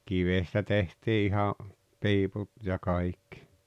kivestä tehtiin ihan piiput ja kaikki